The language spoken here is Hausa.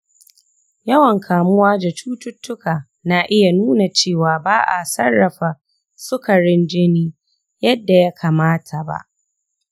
yawan kamuwa da cututtuka na iya nuna cewa ba a sarrafa sukarin jini yadda ya kamata ba.